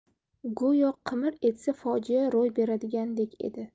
go'yo qimir etsa fojia ro'y beradigandek edi